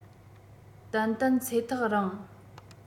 ཏན ཏན ཚེ ཐག རིང